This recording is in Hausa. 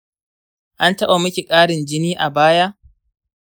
an taba miki karin jini a baya?